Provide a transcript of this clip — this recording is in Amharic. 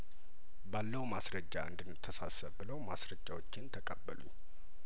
ባለው ማስረጃ እንድን ተሳሰብ ብለው ማስረጃዎቼን ተቀበሉኝ